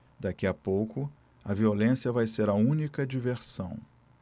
daqui a pouco a violência vai ser a única diversão